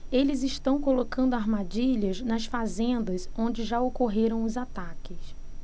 eles estão colocando armadilhas nas fazendas onde já ocorreram os ataques